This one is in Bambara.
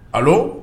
Allo